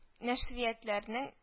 Нәшриятләрнең